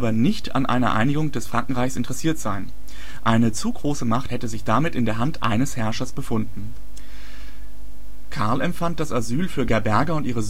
nicht an einer Einigung des Frankenreichs interessiert sein; eine zu große Macht hätte sich damit in der Hand eines Herrschers befunden. Karl empfand das Asyl für Gerberga und ihre